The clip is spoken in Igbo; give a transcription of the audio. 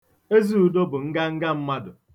Ezeudo bụ nganga mmadụ.